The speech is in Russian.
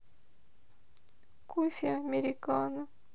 кофе американо